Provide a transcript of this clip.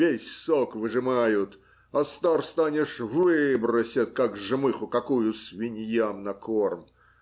Весь сок выжимают, а стар станешь - выбросят, как жмыху какую, свиньям на корм.